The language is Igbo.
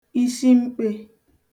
ishimkpē